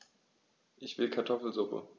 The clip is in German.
Ich will Kartoffelsuppe.